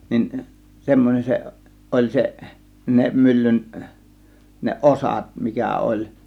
niin semmoinen se oli se ne myllyn ne osat mikä oli